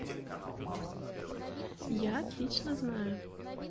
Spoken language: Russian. я отлично знаю